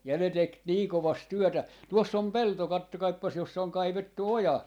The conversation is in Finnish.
ja ne teki niin kovasti työtä tuossa on pelto katsokaapas jossa on kaivettu oja